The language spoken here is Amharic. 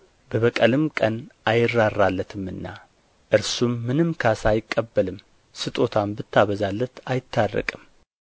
በበቀል ቀን አይራራለትምና እርሱም ምንም ካሣ አይቀበልም ስጦታም ብታበዛለት አይታረቅም